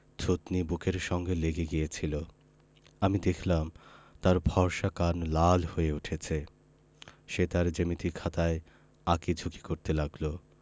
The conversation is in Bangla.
থুতনি বুকের সঙ্গে লেগে গিয়েছিলো আমি দেখলাম তার ফর্সা কান লাল হয়ে উঠছে সে তার জ্যামিতি খাতায় আঁকি ঝুকি করতে লাগলো